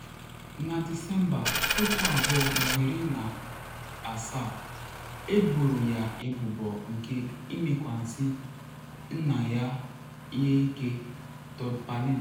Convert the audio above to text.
Na Disemba 2017, eboro ya ebubo nke ịmekwasị nna ya ihe ike, Todd Palin.